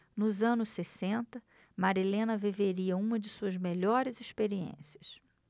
nos anos sessenta marilena viveria uma de suas melhores experiências